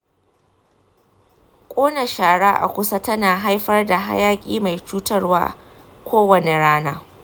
ƙona shara a kusa tana haifar da hayaƙi mai cutarwa kowane rana.